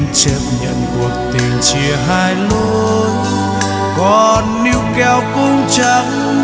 nên chấp nhận cuộc tình chia hai lối còn níu kéo cũng chẳng